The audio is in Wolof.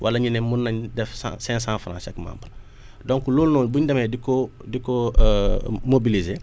wala ñu ne mun nañ def cent cinq cent franc chaque membre donc loolu noonu buñ demee di ko di ko obiliser